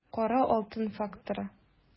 Кара алтын факторы